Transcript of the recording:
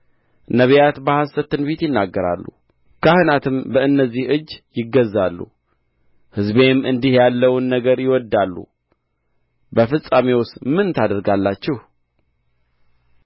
ነቢያት በሐሰት ትንቢት ይናገራሉ ካህናትም በእነዚህ እጅ ይገዛሉ ሕዝቤም እንዲህ ያለውን ነገር ይወድዳሉ በፍጻሜውስ ምን ታደርጋላችሁ